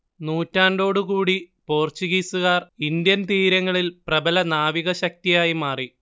നൂറ്റാണ്ടോടുകൂടി പോർച്ചുഗീസുകാർ ഇന്ത്യൻതീരങ്ങളിൽ പ്രബല നാവികശക്തിയായി മാറി